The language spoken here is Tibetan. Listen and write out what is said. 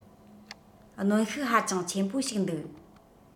གནོན ཤུགས ཧ ཅང ཆེན པོ ཞིག འདུག